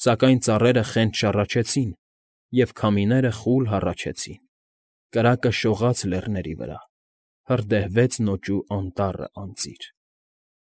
Սակայն ծառերը խենթ շառաչեցին, Եվ քամիները խուլ հառաչեցին, Կրակը շողաց լեռների վրա, Հրդեհվեց նոճու անտառը անծիր։